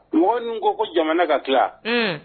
Mɔgɔ min ko ko jamana ka tila